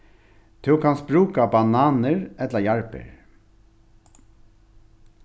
tú kanst brúka bananir ella jarðber